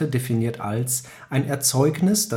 definiert als „ ein Erzeugnis